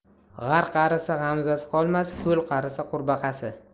g'ar qarisa g'amzasi qolmas ko'l qarisa qurbaqasi